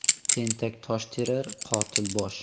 tentak tosh terar qotil bosh